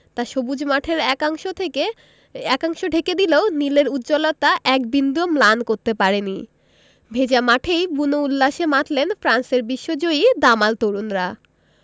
তা সবুজ মাঠের একাংশ থেকে একাংশ ঢেকে দিলেও নীলের উজ্জ্বলতা এক বিন্দুও ম্লান করতে পারেনি ভেজা মাঠেই বুনো উল্লাসে মাতলেন ফ্রান্সের বিশ্বজয়ী দামাল তরুণরা